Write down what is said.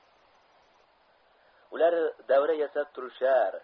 ular davra yasab turishar